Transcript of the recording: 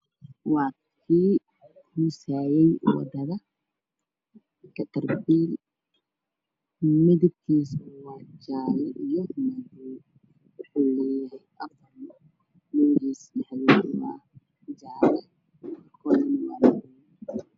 Waa cagafcagaf midabkeedu yahay jaallo dhulka ayaa xaqaysaa guri ga ayaa ka dambeeya oo misaankiisu yahay caddaan